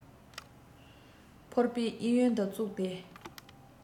ཕོར པའི གཡས གཡོན དུ ཙོག སྟེ